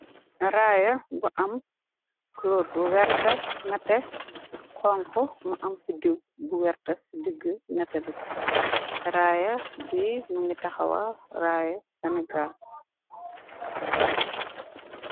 Raaya bu am color bu werta nate xonko mu am biddu bu werte ci digg nate bi raaya bi më ngi taxawal raaya senegal.